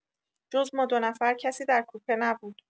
جز ما دو نفر کسی در کوپه نبود.